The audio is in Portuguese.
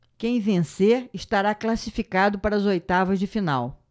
quem vencer estará classificado para as oitavas de final